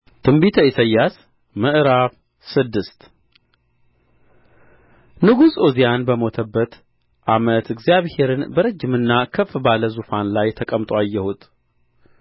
ትንቢተ ኢሳይያስ ምዕራፍ ስድስት ንጉሡ ዖዝያን በሞተበት ዓመት እግዚአብሔርን በረጅምና ከፍ ባለ ዙፋን ላይ ተቀምጦ አየሁት